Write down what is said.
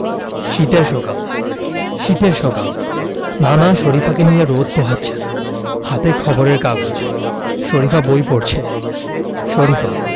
শীতের সকাল শীতের সকাল নানা শরিফাকে নিয়ে রোদ পোহাচ্ছেন হাতে খবরের কাগজ শরিফা বই পড়ছে শরিফা